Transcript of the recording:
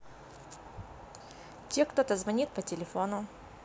те кто то звонит по телефону